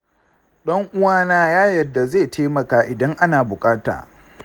dan uwana ya yarda zai taimaka idan ana da buƙata